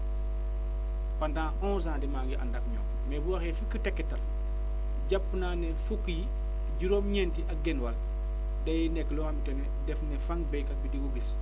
pendant onze ans de maa ngi ànd ak ñoom mais buwaxee fukki tegtal jàpp naa ne fukk yi juróom-ñeent yi ak genn wàll day nekk loo xam te ni daf ne fang béykat bi di ko gis